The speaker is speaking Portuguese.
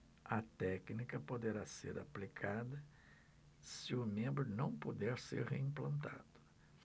a técnica poderá ser aplicada se o membro não puder ser reimplantado